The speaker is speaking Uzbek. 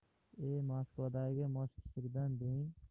e moskvadagi moshkichiridan deng